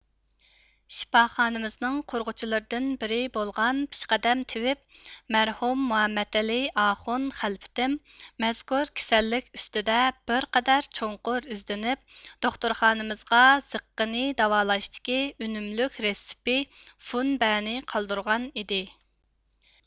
شىپاخانىمىزنىڭ قۇرغۇچىلىرىدىن بىرى بولغان پېشقەدەم تېۋىپ مەرھۇم مۇھەممەتئېلى ئاخۇن خەلپىتىم مەزكۇر كېسەللىك ئۈستىدە بىر قەدەر چوڭقۇر ئىزدىنىپ دوختۇرخانىمىزغا زىققىنى داۋالاشتىكى ئۈنۈملۈك رېتسېپى فۇنبەنى قالدۇرغان ئىدى